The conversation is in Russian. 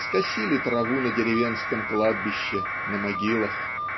Скосили траву на деревенском кладбище, на могилах.